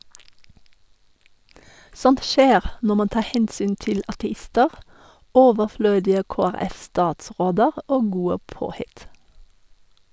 Sånt skjer når man tar hensyn til ateister, overflødige KrF-statsråder og gode påhitt.